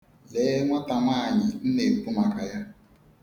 Lee nwatanwaanyị m na-ekwu maka ya.